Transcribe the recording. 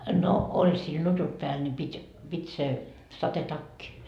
no oli sillä nutut päällä niin piti piti se sadetakki